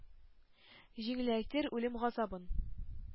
Җиңеләйтер үлем газабын,